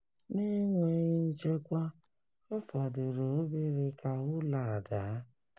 Na-enweghị nchekwa, ọ fọdụrụ obere ka ụlọ a daa.